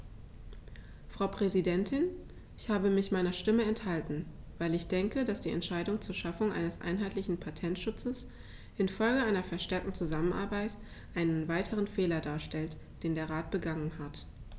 Frau Präsidentin, ich habe mich meiner Stimme enthalten, weil ich denke, dass die Entscheidung zur Schaffung eines einheitlichen Patentschutzes in Folge einer verstärkten Zusammenarbeit einen weiteren Fehler darstellt, den der Rat begangen hat.